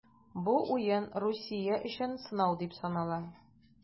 Бу уен Русия өчен зур сынау дип санала.